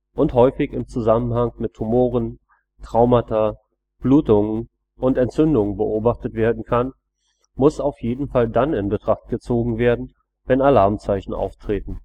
und häufig im Zusammenhang mit Tumoren, Traumata, Blutungen und Entzündungen beobachtet werden kann, muss auf jeden Fall dann in Betracht gezogen werden, wenn Alarmzeichen auftreten